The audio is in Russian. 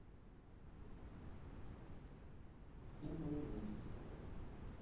фильмы мистика